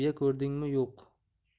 biya ko'rdingmi yo'q